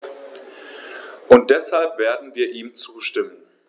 Und deshalb werden wir ihm zustimmen.